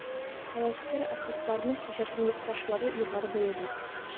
Һәвәскәр артистларның иҗатын якташлары югары бәяли.